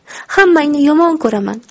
hammangni yomon ko'raman